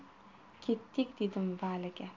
ketdik dedim valiga